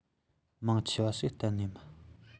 མང ཆེ བ ཞིག གཏན ནས མིན